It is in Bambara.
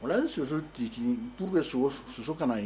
Ola a ye soso ti pur soso ka ye